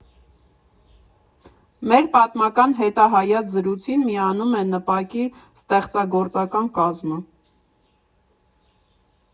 Մեր պատմական հետահայաց զրույցին միանում է ՆՓԱԿ֊ի ատեղծագործական կազմը։